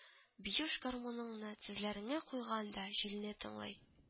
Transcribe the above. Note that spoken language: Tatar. Биюш гармуныңны тезләренә куйган да, җилне тыңлый